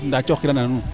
ndaa coox kirana nuun